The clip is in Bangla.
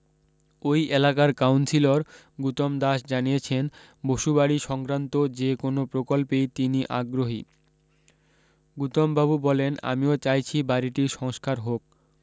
ওই এলাকার কাউন্সিলর গুতম দাস জানিয়েছেন বসুবাড়ি সংক্রান্ত যে কোনও প্রকল্পেই তিনি আগ্রহী গুতমবাবু বলেন আমিও চাইছি বাড়ীটির সংস্কার হোক